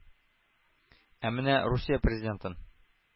Ә менә русия президентын